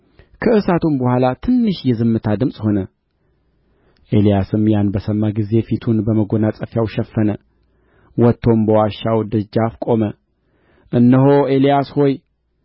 ከእሳቱም በኋላ ትንሽ የዝምታ ድምፅ ሆነ ኤልያስም ያን በሰማ ጊዜ ፊቱን በመጐናጸፊያው ሸፈነ ወጥቶም በዋሻው ደጃፍ ቆመ እነሆ ኤልያስ ሆይ